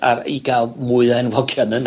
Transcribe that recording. ...ar i ga'l mwy o enwogion yna.